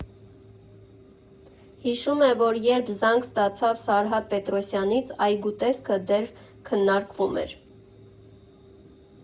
Հիշում է, որ երբ զանգ ստացավ Սարհատ Պետրոսյանից, այգու տեսքը դեռ քննարկվում էր։